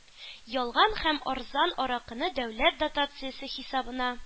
Ялган һәм арзан аракыны дәүләт дотациясе хисабына